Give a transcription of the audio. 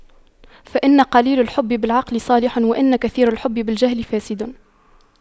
فإن قليل الحب بالعقل صالح وإن كثير الحب بالجهل فاسد